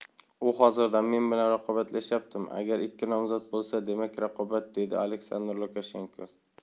u hozirdan men bilan raqobatlashyaptimi agar ikki nomzod bo'lsa demak raqobat dedi aleksandr lukashenko